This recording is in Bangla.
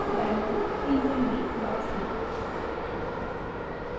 Bengali Clinton B dot Seely